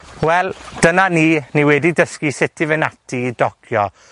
Wel, dyna ni, ni wedi dysgu sut i fynd ati i docio.